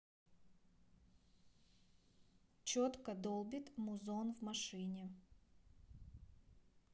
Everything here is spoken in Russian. четко долбит музон в машине